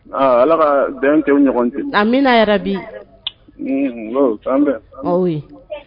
Ala ka bɛn tɛ ɲɔgɔn cɛ an bɛna yɛrɛ bi' bɛn